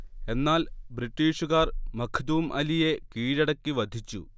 എന്നാൽ ബ്രിട്ടീഷുകാർ മഖ്ദൂം അലിയെ കീഴടക്കി വധിച്ചു